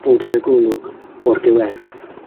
bod yn y golwg o'r diwedd.